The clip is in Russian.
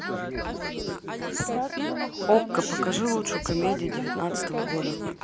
окко покажи лучшую комедию девятнадцатого года